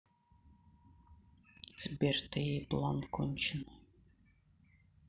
сбер ты еблан конченный